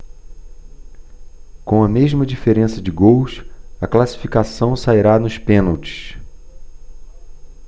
com a mesma diferença de gols a classificação sairá nos pênaltis